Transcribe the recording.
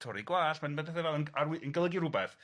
Torri gwall. Ma'n betha fel 'na yn arwy- yn golygu rwbeth.